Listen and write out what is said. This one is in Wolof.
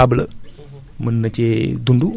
bu amee suuf bu nga xamante ne c' est sableux